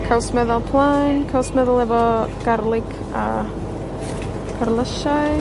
Caws meddal plaen, caws meddal efo garlig a perlysiau.